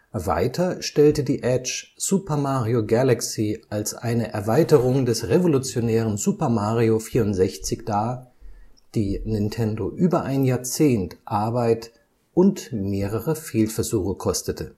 Weiter stellte die Edge Super Mario Galaxy als eine Erweiterung des revolutionären Super Mario 64 dar, die Nintendo über ein Jahrzehnt Arbeit und mehrere Fehlversuche kostete